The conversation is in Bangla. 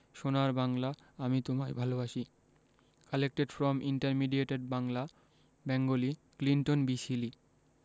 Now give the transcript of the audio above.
সোনার বাংলা আমি তোমায় ভালবাসি collected from intermediated Bangla Bengali Clinton B Seely